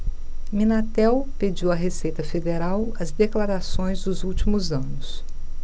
minatel pediu à receita federal as declarações dos últimos anos